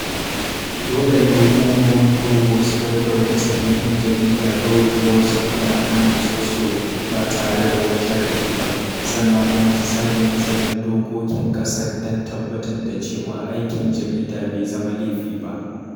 Dole ne hukumomin Togo su gaggauta saki yan jarida Loïc Lawson da Anani Sossou ba tare da wani sharadi ba, sannan kuma su sake fasalin dokokin ƙasar don tabbatar da cewa aikin jarida bai zama laifi ba.